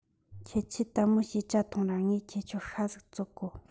ཁྱེད ཆོས དལ མོ བྱོས ཇ ཐུངས ར ངས ཁྱེད ཆོའ ཤ ཟིག བཙོ གོ